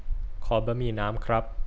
ขอบะหมี่น้ำครับ